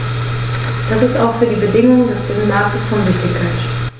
Das ist auch für die Bedingungen des Binnenmarktes von Wichtigkeit.